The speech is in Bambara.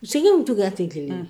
Sɛngɛw cokoya ti kelen ye Unhun